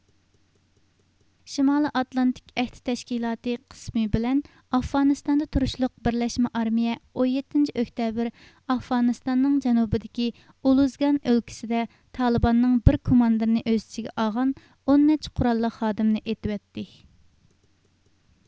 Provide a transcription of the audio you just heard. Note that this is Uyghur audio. شىمالي ئاتلانتىك ئەھدى تەشكىلاتى قىسمى بىلەن ئافغانىستاندا تۇرۇشلۇق بىرلەشمە ئارمىيە ئون يەتتىنچى ئۆكتەبىر ئافغانىستاننىڭ جەنۇبىدىكى ئۇلۇزگان ئۆلكىسىدە تالىباننىڭ بىر كوماندىرنى ئۆز ئىچىگە ئالغان ئون نەچچە قۇراللىق خادىمىنى ئېتىۋەتتى